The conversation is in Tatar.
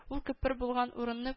Ул күпер булган урынны